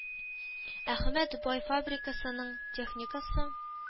Әхмәт бай фабрикасының техникасы